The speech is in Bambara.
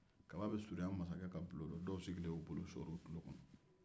kabi a bɛsurunya masakɛ ka bulon na dɔw y'u bolo sɔɔri u tullo la